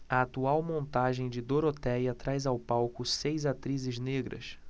a atual montagem de dorotéia traz ao palco seis atrizes negras